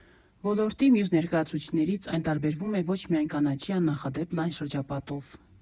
Ոլորտի մյուս ներկայացուցիչներից այն տարբերվում է ոչ միայն կանաչի աննախադեպ լայն շրջապատով.